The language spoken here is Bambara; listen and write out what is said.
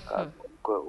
Aa ko